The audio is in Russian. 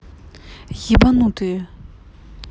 ебанутые